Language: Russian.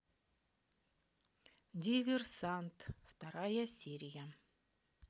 диверсант вторая серия